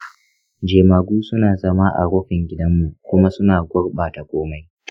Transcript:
jemagu suna zama a rufin gidanmu kuma suna gurɓata komai.